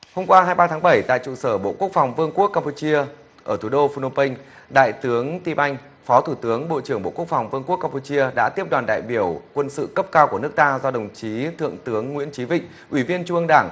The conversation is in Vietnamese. hôm qua hai ba tháng bảy tại trụ sở bộ quốc phòng vương quốc cam pu chia ở thủ đô phô nôm phênh đại tướng ti banh phó thủ tướng bộ trưởng bộ quốc phòng vương quốc cam pu chia đã tiếp đoàn đại biểu quân sự cấp cao của nước ta do đồng chí thượng tướng nguyễn chí vịnh ủy viên trung ương đảng